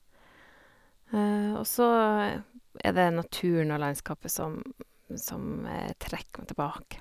Og så er det naturen og landskapet som som trekker meg tilbake.